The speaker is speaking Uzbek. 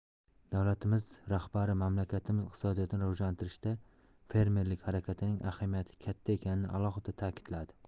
davlatimiz rahbari mamlakatimiz iqtisodiyotini rivojlantirishda fermerlik harakatining ahamiyati katta ekanini alohida ta'kidladi